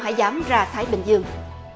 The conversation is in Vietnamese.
hải dám ra thái bình dương